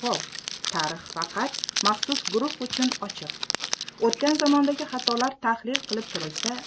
o'tgan zamondagi xatolar tahlil qilib turilsa